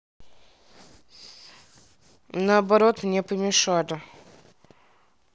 наоборот мне помешали